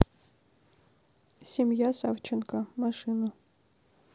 семья савченко машину